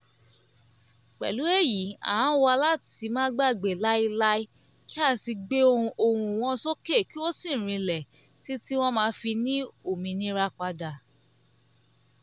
Pẹ̀lú èyí, à ń wá láti má gbàgbé láíláí kí á sì gbé ohùn wọn sókè kí ó sì rinlẹ̀, títí wọ́n máa fi ní òmìnira padà.